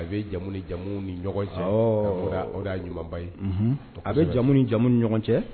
A bɛ jamu ni jamu ni ɲumanba ye a bɛ jamu ni jamu ni ɲɔgɔn cɛ